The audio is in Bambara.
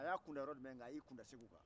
a y'i kunda seggu kan